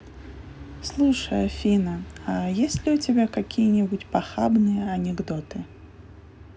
слушай афина а есть ли у тебя какие нибудь похабные анекдоты